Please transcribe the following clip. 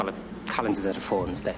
Wel y calendars ar y ffôns de.